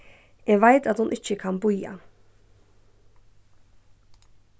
eg veit at hon ikki kann bíða